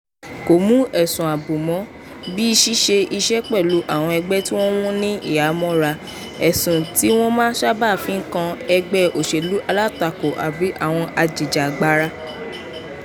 Kò mú ẹ̀sùn ààbò mọ́ ọ, bíi ṣíṣe iṣẹ́ pẹ̀lú àwọn ẹgbẹ́ tí wọ́n ní ìhámọ́ra — ẹ̀sùn tí wọ́n sábà máa ń fi kan ẹgbẹ́ òṣèlú alátakò àbí àwọn ajìjàgbara.